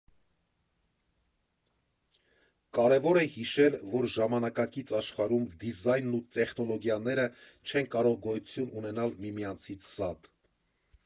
Կարևոր է հիշել, որ ժամանակակից աշխարհում դիզայնն ու տեխնոլոգիաները չեն կարող գոյություն ունենալ միմյանցից զատ։